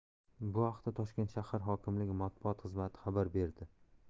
bu haqda toshkent shahar hokimligi matbuot xizmati xabar berdi